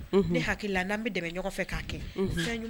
Ne hakili n'an bɛ dɛmɛ ɲɔgɔn fɛ k'a kɛ